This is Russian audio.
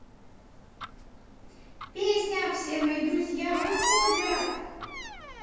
песня все мои друзья выходят